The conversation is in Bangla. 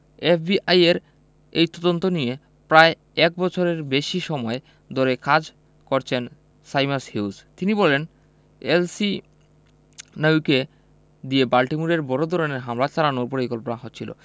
এফবিআইয়ের এই তদন্ত নিয়ে প্রায় এক বছরের বেশি সময় ধরে কাজ করেছেন সাইমাস হিউজ তিনি বলেন এলসিহিনাউয়িকে দিয়ে বাল্টিমোরে বড় ধরনের হামলা চালানোর পরিকল্পনা হচ্ছিল